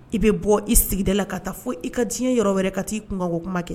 I bɛ bɔ i sigida la ka taa fo i ka diɲɛ yɔrɔ wɛrɛ ka t'i kun ka kuma kɛ